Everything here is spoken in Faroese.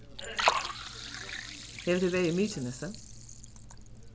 hevur tú verið í mykinesi